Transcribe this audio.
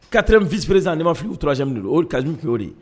Katere n fisiurerez ni m ma f fi uourasi min don o ka fiyewuo ye